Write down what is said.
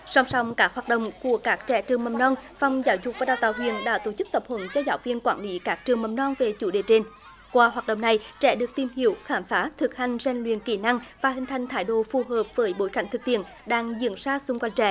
song song các hoạt động của các trẻ trường mầm non phòng giáo dục và đào tạo huyện đã tổ chức tập huấn cho giáo viên quản lý các trường mầm non về chủ đề trên qua hoạt động này trẻ được tìm hiểu khám phá thực hành rèn luyện kỹ năng và hình thành thái độ phù hợp với bối cảnh thực tiễn đang diễn ra xung quanh trẻ